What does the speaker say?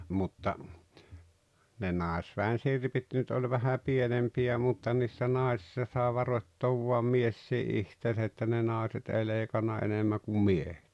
mutta ne naisväen sirpit nyt oli vähän pienempiä mutta niissä naisissa sai varoittaa vain mieskin itseänsä että ne naiset ei leikannut enemmän kuin miehet